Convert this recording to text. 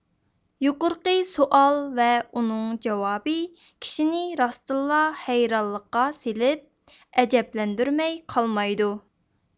يۇقىرىقى سوئال ۋە ئۇنىڭ جاۋابى كىشىنى راستتىنلا ھەيرانلىققا سېلىپ ئەجەبلەندۈرمەي قالمايدۇ